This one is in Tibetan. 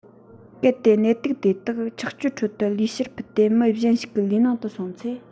གལ ཏེ ནད དུག དེ དག ཆགས སྤྱོད ཁྲོད དུ ལུས ཕྱིར ཕུད དེ མི གཞན ཞིག གི ལུས ནང དུ སོང ཚེ